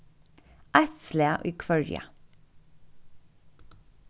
eitt slag í hvørja